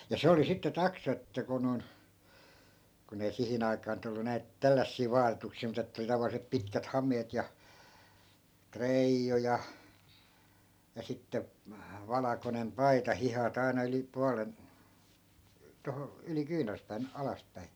ja se oli sitten taksa että kun noin kun ei siihen aikaan nyt ollut näitä tällaisia vaatetuksia mutta että oli tavalliset pitkät hameet ja treiju ja ja sitten valkoinen paita hihat aina yli puolen tuohon yli kyynärpään alaspäin